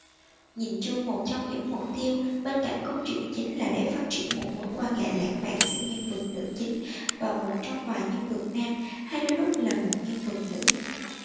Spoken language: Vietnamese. nhìn chung một trong những mục tiêu bên cạnh cốt truyện chính là để phát triển một mối quan hệ lãng mạn giữa nhân vật nữ chính và một trong vài nhân vật nam hay đôi lúc là một nhân vật nữ